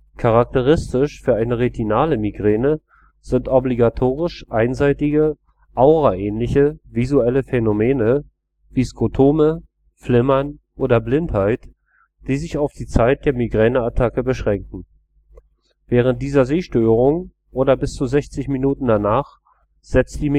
Charakteristisch für eine retinale Migräne sind obligatorisch einseitige auraähnliche visuelle Phänomene, wie Skotome, Flimmern oder Blindheit, die sich auf die Zeit der Migräneattacke beschränken. Während dieser Sehstörungen oder bis zu 60 Minuten danach setzt die